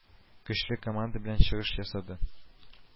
Көчле команда белән чыгыш ясады